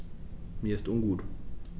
Mir ist ungut.